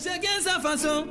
Sɛ gɛn san fasɔn